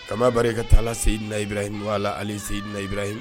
Kamaba ka taala sen nayibra in waaale sen nahib in